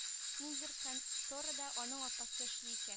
Ниндидер конторада аның апасы эшли икән